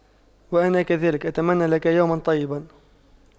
وانا كذلك أتمنى لك يوما طيبا